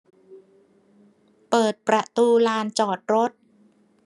เปิดประตูลานจอดรถ